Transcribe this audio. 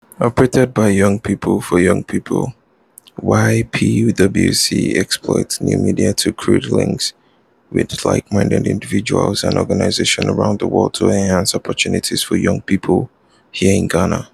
Operated by young people, for young people, YPWC exploits new media to create links with like-minded individuals and organisations around the world to enhance opportunities for young people here in Ghana.